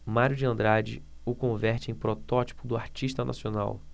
mário de andrade o converte em protótipo do artista nacional